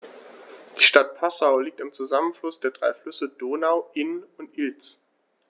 Die Stadt Passau liegt am Zusammenfluss der drei Flüsse Donau, Inn und Ilz.